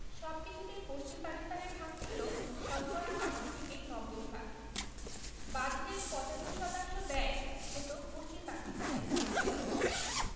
সবকিছুতেই পশ্চিম পাকিস্তানের ভাগ ছিল শতকরা ৮০ থেকে ৯০ ভাগ বাজেটের ৭৫% ব্যয় হতো পশ্চিম পাকিস্তানে